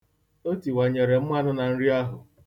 O tiwanyere mmanụ na nri ahụ.